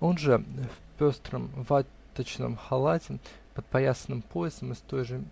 Он же, в пестром ваточном халате, подпоясанном поясом из той же